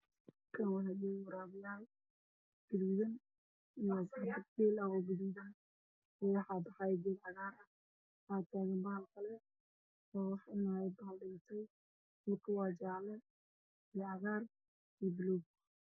Waa sawir farshaxan libaax cunayo neef geel ah waraabiyayaal agtaagan yihiin